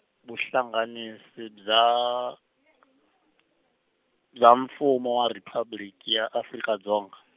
Vuhlanganisi bya , bya Mfumo a Riphabliki ya Afrika Dzonga.